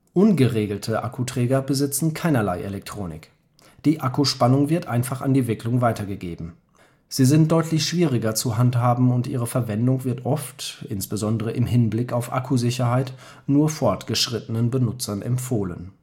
Ungeregelte Akkuträger besitzen keinerlei Elektronik. Die Akkuspannung wird einfach an die Wicklung weitergegeben. Sie sind deutlich schwieriger zu handhaben und ihre Verwendung wird oft – insbesondere im Hinblick auf Akkusicherheit – nur fortgeschrittenen Benutzern empfohlen